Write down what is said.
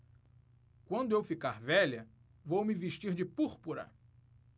quando eu ficar velha vou me vestir de púrpura